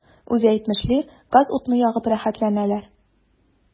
Үзе әйтмешли, газ-утны ягып “рәхәтләнәләр”.